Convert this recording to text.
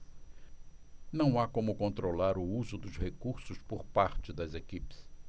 não há como controlar o uso dos recursos por parte das equipes